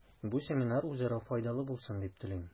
Бу семинар үзара файдалы булсын дип телим.